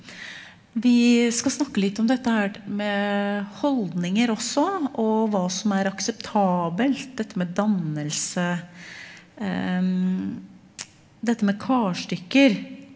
vi skal snakke litt om dette her med holdninger også og hva som er akseptabelt dette med dannelse dette med karstykker.